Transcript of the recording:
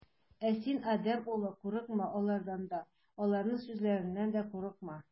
Ә син, адәм углы, курыкма алардан да, аларның сүзләреннән дә курыкма.